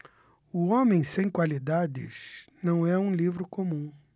o homem sem qualidades não é um livro comum